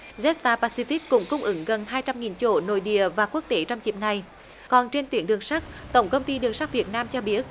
dét ta pa si phích cũng cung ứng gần hai trăm nghìn chỗ nội địa và quốc tế trong dịp này còn trên tuyến đường sắt tổng công ty đường sắt việt nam cho biết